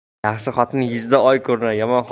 yaxshi xotin yuzida oy ko'rinar